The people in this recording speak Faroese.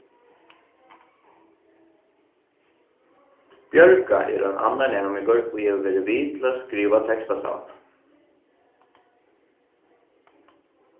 bjørga er ein annar næmingur ið hevur verið við til at skriva tekstasavnið